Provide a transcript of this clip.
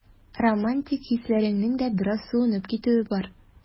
Романтик хисләреңнең дә бераз суынып китүе бар.